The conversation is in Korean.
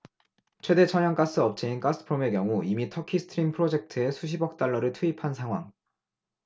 최대 천연가스업체인 가스프롬의 경우 이미 터키 스트림 프로젝트에 수십억 달러를 투입한 상황